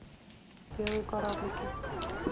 белые кораблики